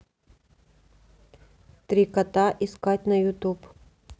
три кота искать на ютуб